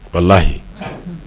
Walahi